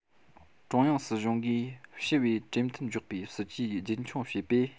ཀྲུང དབྱང སྲིད གསུང གིས ཞི བའི གྲོས མཐུན འཇོག པའི སྲིད ཇུས རྒྱུན འཁྱོངས བྱས པས